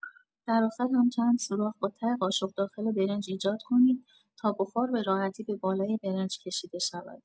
در آخر هم چند سوراخ با ته قاشق داخل برنج ایجاد کنید تا بخار به راحتی به بالای برنج کشیده شود.